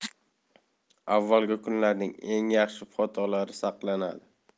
avvalgi kunlarning eng yaxshi fotolari saqlanadi